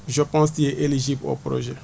je pense tu es éligible au projet